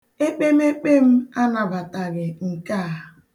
Ekpemekpe m anabataghị nke a.